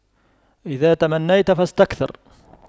إذا تمنيت فاستكثر